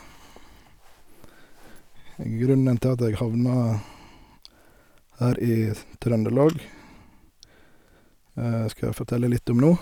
Grunnen til at jeg havna her i Trøndelag skal jeg fortelle litt om nå.